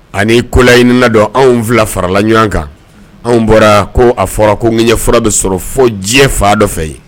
Ani kolayiiniina don anw fila farala ɲɔgɔn kan anw bɔra ko a fɔra ko ni ɲɛ furaura bɛ sɔrɔ fɔ diɲɛ fa dɔ fɛ yen